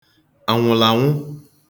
ànwụ̀lànwụ